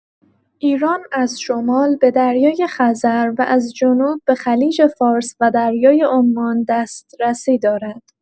ایران از شمال به دریای‌خزر و از جنوب به خلیج‌فارس و دریای عمان دسترسی دارد.